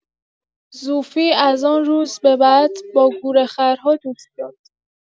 زوفی از آن روز به بعد با گورخرها دوست شد.